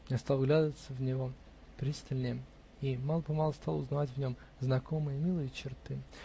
Я стал вглядываться в него пристальнее и мало-помалу стал узнавать в нем знакомые, милые черты.